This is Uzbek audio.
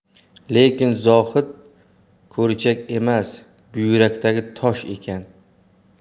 lekin zohid ko'richak emas buyrakdagi tosh ekan